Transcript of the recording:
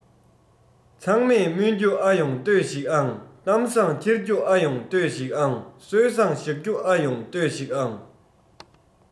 ཚང མས སྨོན རྒྱུ ཨ ཡོང ལྟོས ཤིག ཨང གཏམ བཟང འཁྱེར རྒྱུ ཨ ཡོང ལྟོས ཤིག ཨང སྲོལ བཟང གཞག རྒྱུ ཨ ཡོང ལྟོས ཤིག ཨང